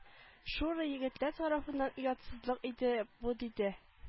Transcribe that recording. Шура егетләр тарафыннан оятсызлык инде бу диде